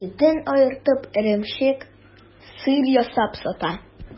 Сөтен аертып, эремчек, сыр ясап сата.